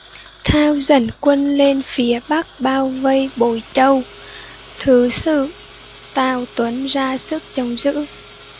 thao dẫn quân lên phía bắc bao vây bối châu thứ sử tào tuấn ra sức chống giữ